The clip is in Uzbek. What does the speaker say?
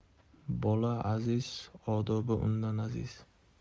bola aziz odobi undan aziz